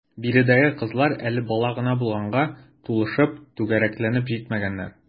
Биредәге кызлар әле бала гына булганга, тулышып, түгәрәкләнеп җитмәгәннәр.